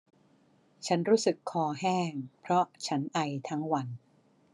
ฉันรู้สึกคอแห้งเพราะฉันไอทั้งวัน